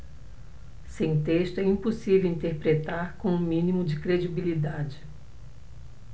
sem texto é impossível interpretar com o mínimo de credibilidade